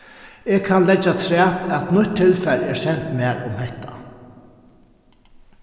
eg kann leggja afturat at nýtt tilfar er sent mær um hetta